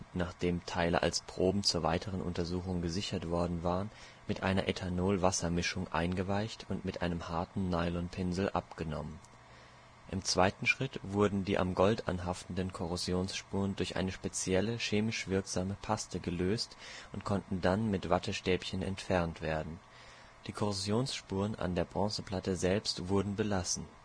nachdem Teile als Proben zur weiteren Untersuchung gesichert worden waren – mit einer Ethanol-Wasser-Mischung eingeweicht und mit einem harten Nylonpinsel abgenommen. Im zweiten Schritt wurden die am Gold anhaftenden Korrosionsspuren durch eine spezielle, chemisch wirksame Paste gelöst und konnten dann mit Wattestäbchen entfernt werden. Die Korrosionsspuren an der Bronzeplatte selbst wurden belassen